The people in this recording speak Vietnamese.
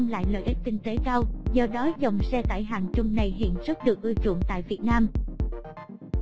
mang lại lợi ích kinh tế cao do đó dòng xe tải hạng trung này hiện rất được ưa chuộng tại việt nam